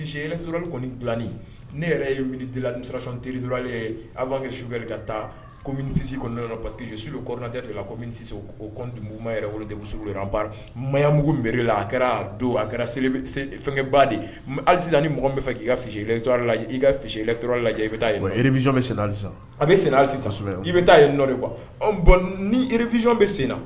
Li kɔni dilai ne yɛrɛ ye wili ni tli aw'an suli ka taa kɔmisi parcesisu sujɛtila yɛrɛ wolo de an maya mugu mila a kɛra don a kɛra fɛnkɛba de aliz ni mɔgɔ bɛ fɛ' i ka ila i ka i lajɛ i bɛ taarezɔn sen sisan a bɛ sen i bɛ taa n nɔ de bɔn nirezɔn bɛ sen na